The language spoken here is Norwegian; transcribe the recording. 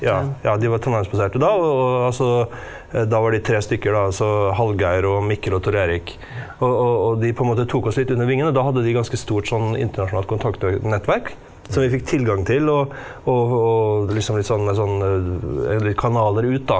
ja ja de var Trondheimsbaserte og da og altså da var de tre stykker da, altså Hallgeir og Mikkel og Tor Erik, og og og de på en måte tok oss litt under vingen, og da hadde de ganske stort sånn internasjonalt kontaktnettverk, så vi fikk tilgang til og og og liksom litt sånn med sånn litt kanaler ut da.